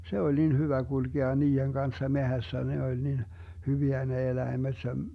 se oli niin hyvä kulkea niiden kanssa metsässä ne oli niin hyviä ne eläimet -